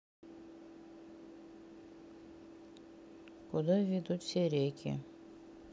куда ведут все реки